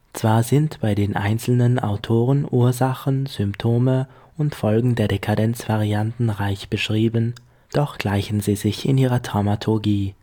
Zwar sind bei den einzelnen Autoren Ursachen, Symptome und Folgen der Dekadenz variantenreich beschrieben, doch gleichen sie sich in ihrer Dramaturgie